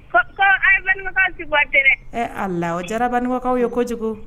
Ko ko a balima sigi tɛ ee a la o jarabankaw ye kojugu